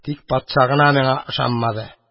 Тик патша гына моңа ышанмады.